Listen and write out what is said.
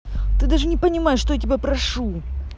ты даже не понимаешь что я тебя прошу